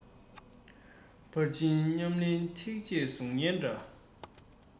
ཕར ཕྱིན ཉམས ལེན ཐེག ཆེན གཟུགས བརྙན འདྲ